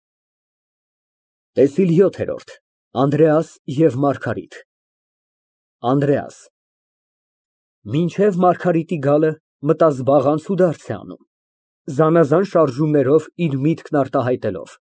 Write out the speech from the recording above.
ՏԵՍԻԼ ՅՈԹԵՐՈՐԴ ԱՆԴՐԵԱՍ ԵՎ ՄԱՐԳԱՐԻՏ ԱՆԴՐԵԱՍ ֊ Մինչև Մարգարիտի գալը, մտազբաղ անցուդարձ է անում, զանազան շարժումներով իր միտքն արտահայտվելով։